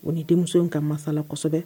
O ni denmuso in ka masala kosɛbɛ